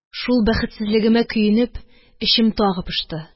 Шул бәхетсезлегемә көенеп, эчем тагы пошты.